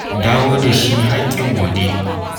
Dawo da shi haƙƙinmu ne.”